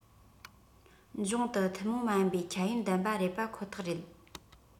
འབྱུང དུ ཐུན མོང མ ཡིན པའི ཁྱད ཡོན ལྡན པ རེད པ ཁོ ཐག རེད